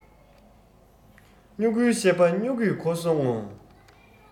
སྨྱུ གུའི བཤད པ སྨྱུ གུས གོ སོང ངོ